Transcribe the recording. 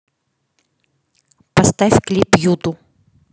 поставь клип юту